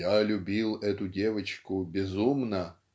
"Я любил эту девочку безумно",